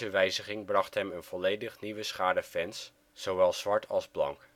wijziging bracht hem een volledig nieuwe schare fans, zowel zwart als blank